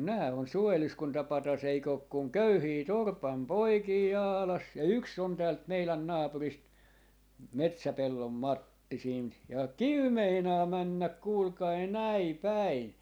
mutta nämä on suojeluskuntapatsas eikö ole kuin köyhiä torpan poikia Jaalassa ja yksi on täältä meidän naapurista Metsäpellon Matti siitä ja kivi meinaa mennä kuulkaa näin päin